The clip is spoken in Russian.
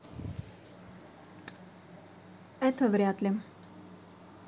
это врятли